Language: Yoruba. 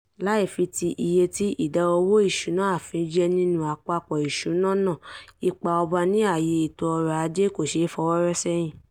@charquaouia: Láì fi ti iye tí ìdá owó ìṣúná ààfin jẹ́ nínú àpapọ̀ ìṣúná náà, ipa ọba ní àyè ètò ọrọ̀-ajé kò ṣe é fi ọwọ́ rọ́ sẹ́yìn.